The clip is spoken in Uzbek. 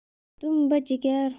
dumba jigar